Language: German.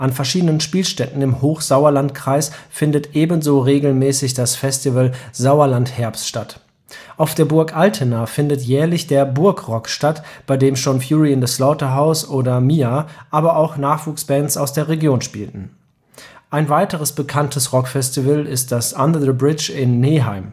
verschiedenen Spielstätten im Hochsauerlandkreis findet ebenso regelmäßig das Festival „ Sauerland-Herbst “statt. Auf der Burg Altena findet jährlich der „ Burgrock “statt, bei dem schon Fury in the Slaughterhouse oder MIA., aber auch Nachwuchsbands aus der Region spielten. Ein weiteres bekanntes Rockfestival ist das Under the bridge in Neheim